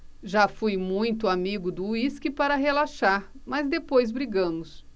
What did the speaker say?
já fui muito amigo do uísque para relaxar mas depois brigamos